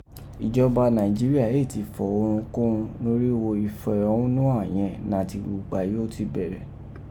Ìjọba Naijiria éè ti fọ̀ urunkúnrun norígho ifẹhonuhan yèn nàti ugba èyí ó ti bẹrẹ.